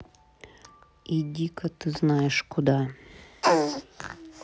идика ты знаешь куда